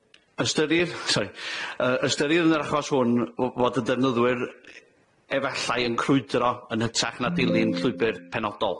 Ystyrir, sori- yy ystyrir yn yr achos hwn w- fod y defnyddwyr efallai yn crwydro yn hytrach na dilyn llwybyr penodol.